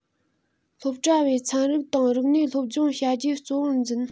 སློབ གྲྭ བས ཚན རིག དང རིག གནས སློབ སྦྱོང བྱ རྒྱུ གཙོ བོར འཛིན